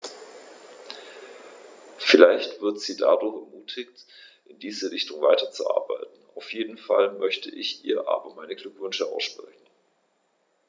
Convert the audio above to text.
Vielleicht wird sie dadurch ermutigt, in diese Richtung weiterzuarbeiten, auf jeden Fall möchte ich ihr aber meine Glückwünsche aussprechen.